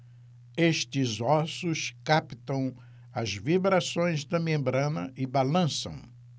estes ossos captam as vibrações da membrana e balançam